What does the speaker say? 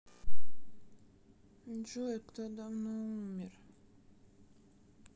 джой кто давно умер